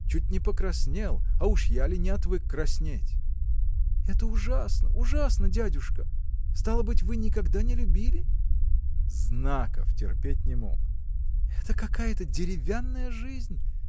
чуть не покраснел, а уж я ли не отвык краснеть! – Это ужасно, ужасно, дядюшка! стало быть, вы никогда не любили? – Знаков терпеть не мог. – Это какая-то деревянная жизнь!